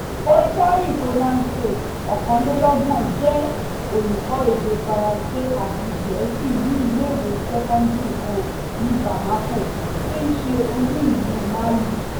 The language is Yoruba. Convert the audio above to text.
Boukary Konaté, 31, jẹ́ olùkọ́ èdè Faransé àti Gẹ̀ẹ́sì ní ilé-ìwé sẹ́kọ́ńdìrì kan ní Bamako, tí ń ṣe olú-ìlú Mali.